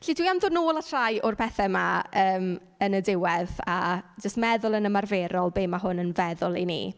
Felly dwi am ddod nôl at rhai o'r pethe 'ma, yym, yn y diwedd a a jyst meddwl yn ymarferol be ma' hwn yn feddwl i ni.